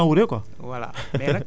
mu ngi mel ni rek comme temps wure quoi